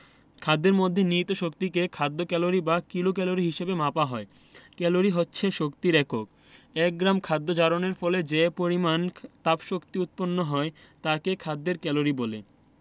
খাদ্যের মধ্যে নিহিত শক্তিকে খাদ্য ক্যালরি বা কিলোক্যালরি হিসেবে মাপা হয় ক্যালরি হচ্ছে শক্তির একক এক গ্রাম খাদ্য জারণের ফলে যে পরিমাণ তাপশক্তি উৎপন্ন হয় তাকে খাদ্যের ক্যালরি বলে